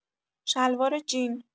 شلوار جین